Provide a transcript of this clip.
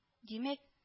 Димәк